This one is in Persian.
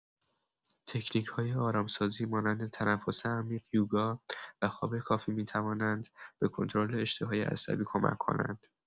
تکنیک‌های آرام‌سازی مانند تنفس عمیق، یوگا و خواب کافی می‌توانند به کنترل اشت‌های عصبی کمک کنند.